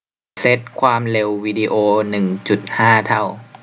เซ็ตความเร็ววีดีโอหนึ่งจุดห้าเท่า